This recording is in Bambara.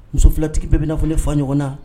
Muso filatigi bɛɛ bɛ nafololen fa ɲɔgɔn na